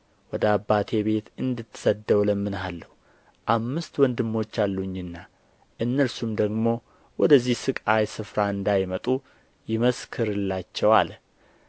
ወደ አባቴ ቤት እንድትሰደው እለምንሃለሁ አምስት ወንድሞች አሉኝና እነርሱ ደግሞ ወደዚህ ሥቃይ ስፍራ እንዳይመጡ ይመስክርላቸው አለ